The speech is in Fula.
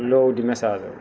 loowdi message o